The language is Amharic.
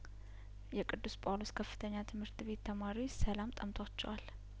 የቅዱስ ጳውሎስ ከፍተኛ ትምህርት ቤት ተማሪዎች ሰላም ጠምቷቸዋል